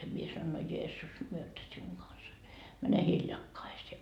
minä sanoin no Jeesus myötä sinun kanssa mene hiljakaiseen